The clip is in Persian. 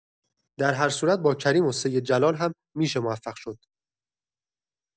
در هر صورت با کریم و سید جلال هم می‌شه موفق شد.